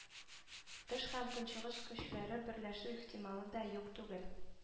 Тыш һәм көнчыгыш көчләре берләшү ихтималы да юк түгел